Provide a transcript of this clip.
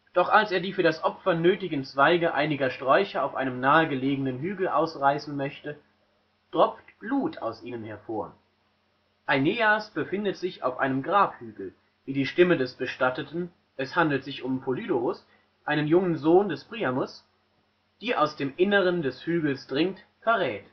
Doch als er die für das Opfer nötigen Zweige einiger Sträucher auf einem nahe gelegenen Hügel ausreißen möchte, tropft Blut aus ihnen hervor. Aeneas befindet sich auf einem Grabhügel, wie die Stimme des Bestatteten – es handelt sich um Polydorus, einen jungen Sohn des Priamos –, die aus dem Inneren des Hügels dringt, verrät